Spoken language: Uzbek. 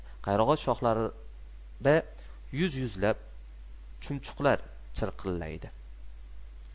qayrag'och shoxlarida yuz yuzlab chumchuqlar chirqillaydi